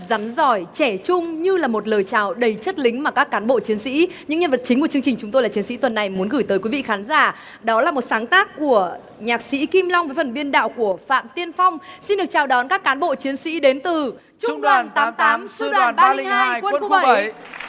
rắn rỏi trẻ trung như là một lời chào đầy chất lính mà các cán bộ chiến sĩ những nhân vật chính của chương trình chúng tôi là chiến sĩ tuần này muốn gửi tới quý vị khán giả đó là một sáng tác của nhạc sĩ kim long với phần biên đạo của phạm tiên phong xin được chào đón các cán bộ chiến sĩ đến từ trung đoàn tám tám sư đoàn ba linh hai quân khu bẩy